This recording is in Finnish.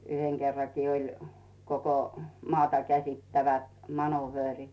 yhden kerrankin oli koko maata käsittävät manööverit